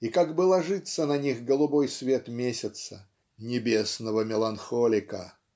и как бы ложится на них голубой свет месяца "небесного меланхолика